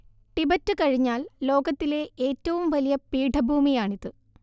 Tibet കഴിഞ്ഞാൽ ലോകത്തിലെ ഏറ്റവും വലിയ പീഠഭൂമിയാണിത്